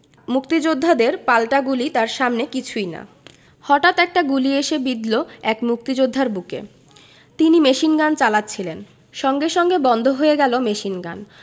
মুক্তিযোদ্ধাদের পাল্টা গুলি তার সামনে কিছুই না হতাৎ একটা গুলি এসে বিঁধল এক মুক্তিযোদ্ধার বুকে তিনি মেশিনগান চালাচ্ছিলেন সঙ্গে সঙ্গে বন্ধ হয়ে গেল মেশিনগান